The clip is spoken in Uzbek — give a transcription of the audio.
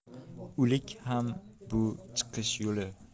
o'lik ham bu chiqish yo'li